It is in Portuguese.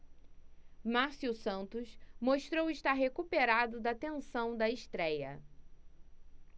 márcio santos mostrou estar recuperado da tensão da estréia